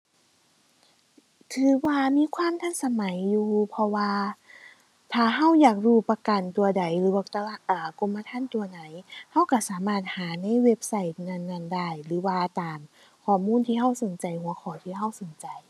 ถือว่ามีความทันสมัยอยู่ เพราะว่าถ้าเราอยากรู้ประกันตัวใดหรือว่า อ่า กรมธรรม์ตัวไหน เราเราสามารถหาในเว็บไซต์นั้นนั้นได้ หรือว่าตามข้อมูลที่เราสนใจ หัวข้อที่เราสนใจ